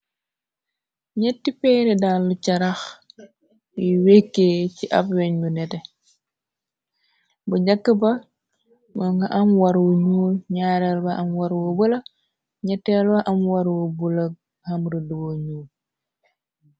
N'etti peere danlu carax yuy wekkee ci ab weñ bu nete bu jàkk ba moo nga am warwu ñuul ñaareel ba am waruwo bula ñetteelwo am warwo bu la hamrëdduo ñuul.